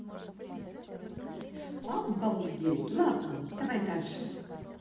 обалдеть ладно давай дальше